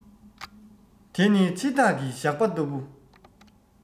དེ ནི འཆི བདག གི ཞགས པ ལྟ བུ